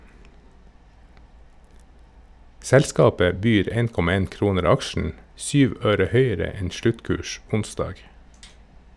Selskapet byr 1,1 kroner aksjen, syv øre høyere enn sluttkurs onsdag.